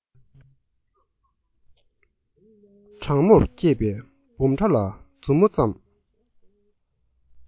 དྲང མོར སྐྱེས པའི སྦོམ ཕྲ ལ མཛུབ མོ ཙམ